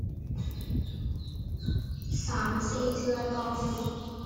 สามสี่เทื่อต่อมื้อ